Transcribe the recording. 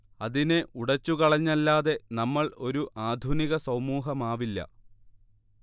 അതിനെ ഉടച്ചു കളഞ്ഞല്ലാതെ നമ്മൾ ഒരു ആധുനിക സമൂഹമാവില്ല